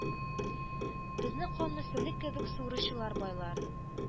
Безнең канны сөлек кебек суыручы байлар,